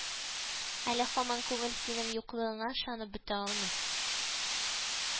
Әле һаман күңел синең юклыгыңа ышанып бетә алмый